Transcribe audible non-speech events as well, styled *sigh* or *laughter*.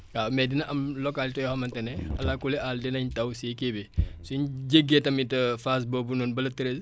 waaw mais dina am localité yoo xamante ne *noise* allah kulli aal dinañ taw si kii bi *noise* suén jéggee tamit *hesitation* phase boobu noonu ba le treize